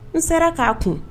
N sera k'a kun